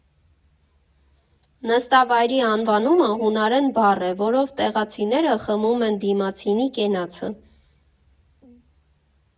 Նստավայրի անվանումը հունարեն բառ է, որով սեղանակիցները խմում են դիմացինի կենացը։